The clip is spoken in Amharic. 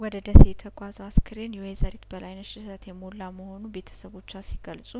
ወደ ደሴ የተጓጓዘው አስክሬን የወይዘሪት በላይነሽ እሸት የሞላ መሆኑን ቤተሰቦቿ ሲገልጹ